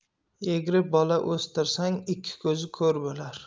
egri bola o'stirsang ikki ko'zi ko'r bo'lar